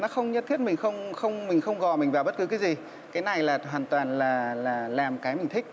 nó không nhất thiết mình không không mình không gò mình vào bất cứ cái gì cái này là hoàn toàn là là làm cái mình thích